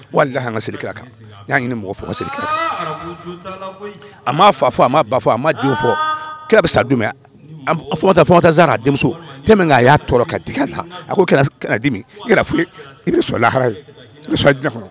Walahi an ka seli kira kan . N ya ɲini mɔgɔw fɛ u ka seli kira kan. A ma fa fɔ , a ma bafɔ, a ma den fɔ. Kira bi sa don min , Fatumata Zaara a denmuso tellement que a ya tɔrɔ ka diki a la ko ka na dimi i bɛ n sɔrɔ Alijinɛ kɔnɔ.